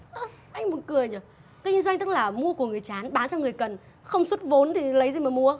ơ anh buồn cười nhờ kinh doanh tức là mua của người chán bán cho người cần không xuất vốn thì lấy gì mà mua